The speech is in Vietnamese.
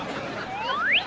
éng